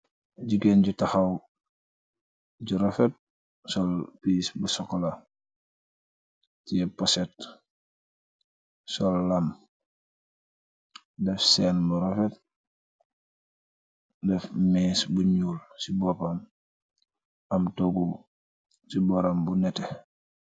Gigain ju takhaw, ju rafet, sol piss bu chocolat, tiyeh porset, sol lamm, deff chhene bu rafet, deff meeche bu njull ci bopam, am togu ci bohram bu nehteh.